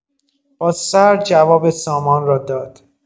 با سر جواب سامان را داد.